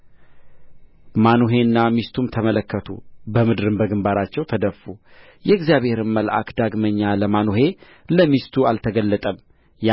ማኑሄና ሚስቱም ተመለከቱ በምድርም በግምባራቸው ተደፉ የእግዚአብሔርም መልአክ ዳግመኛ ላማኑሄና ለሚስቱ አልተገለጠም